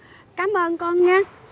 cám ơn con nhe